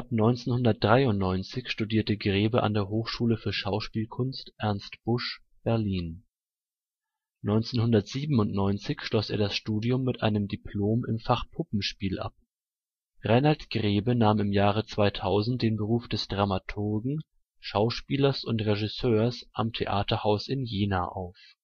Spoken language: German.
1993 studierte Grebe an der Hochschule für Schauspielkunst „ Ernst Busch “Berlin. 1997 schloss er das Studium mit einem Diplom im Fach Puppenspiel ab. Rainald Grebe nahm im Jahre 2000 den Beruf des Dramaturgen, Schauspielers und Regisseurs am Theaterhaus in Jena auf